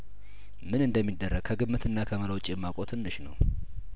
ምን እንደሚደረግ ከግምትና ከመላ ውጭ የማውቀው ትንሽ ነው